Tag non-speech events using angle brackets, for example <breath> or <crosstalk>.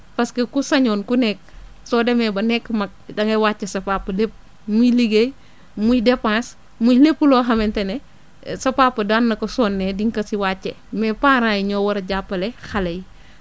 parce que ku sañoon ku nekk soo demee ba nekk mag dangay wàcce sa papa lépp muy liggéey muy dépense muy lépp loo xamante ne <hesitation> sa papa daan na ko sonnee di nga ko si wàcce mais parents yi ñoo war a jàppale xale yi <breath>